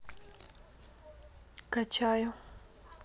качаю